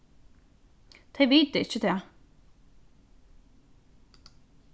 tey vita ikki tað